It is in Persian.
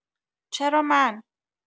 چرا من؟